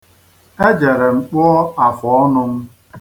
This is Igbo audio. Ejere m kpụọ afụọnụ m.